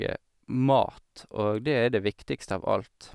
Mat, og det er det viktigste av alt.